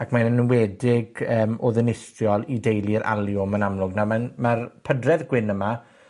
ac mae'n enwedig yym o ddinistriol i deulu'r aliwm yn amlwg. Nawr ma'n ma'r pydredd gwyn yma,